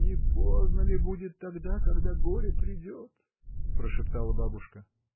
— Не поздно ли будет тогда, когда горе придет?. — прошептала бабушка.